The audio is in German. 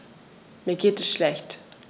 Mir geht es schlecht.